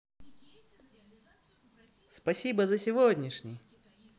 спасибо на сегодняшний